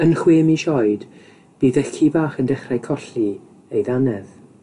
Yn chwe mis oed, bydd eich ci bach yn dechrau colli ei ddannedd.